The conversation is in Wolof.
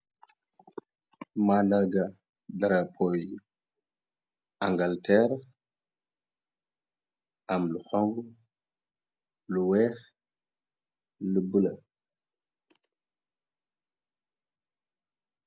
Mandalga dara poy yi angalteer am lu xong ,lu weex, lu bëla.